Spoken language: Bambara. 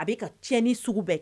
A bɛ ka tiɲɛ ni sugu bɛɛ